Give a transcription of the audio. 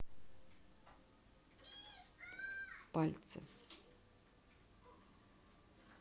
пальцы